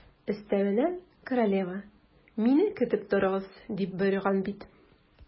Өстәвенә, королева: «Мине көтеп торыгыз», - дип боерган бит.